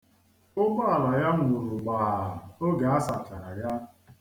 Ụgbọala ya nwuru gbaa oge a asachara ya.